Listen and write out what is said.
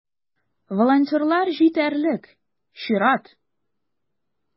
Волонтерлар җитәрлек - чират.